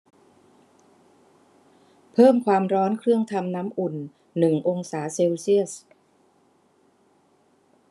เพิ่มความร้อนเครื่องทำน้ำอุ่นหนึ่งองศาเซลเซียส